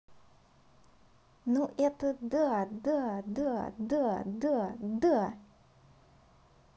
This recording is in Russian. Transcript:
ну это да да да да да да